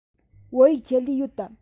བོད ཡིག ཆེད ལས ཡོད དམ